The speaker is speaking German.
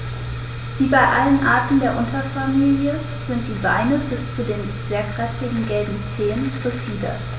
Wie bei allen Arten der Unterfamilie sind die Beine bis zu den sehr kräftigen gelben Zehen befiedert.